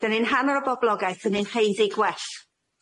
'Dyn ni'n hanner y boblogaeth 'dyn ni'n heuddu gwell.